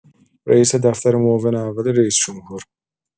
رئیس دفتر معاون اول رئیس‌جمهور